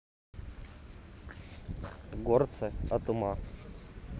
горцы от ума